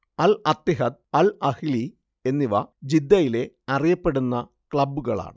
അൽ Ittihad Al Ahli എന്നിവ ജിദ്ദയിലെ അറിയപ്പെടുന്ന ക്ലബ്ബുകളാണ്